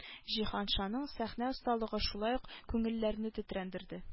Җиһаншинның сәхнә осталыгы шулай ук күңелләрне тетрәндерде